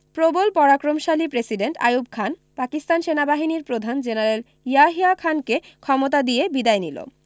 প্রবল পরাক্রমশালী প্রেসিডেন্ট আইয়ুব খান পাকিস্তান সেনাবাহিনীর প্রধান জেনারেল ইয়াহিয়া খানকে ক্ষমতা দিয়ে বিদায় নিল